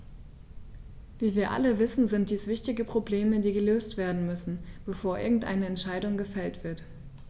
Wie wir alle wissen, sind dies wichtige Probleme, die gelöst werden müssen, bevor irgendeine Entscheidung gefällt wird.